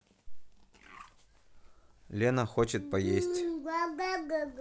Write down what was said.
лена хочет поесть